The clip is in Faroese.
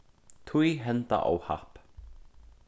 tí henda óhapp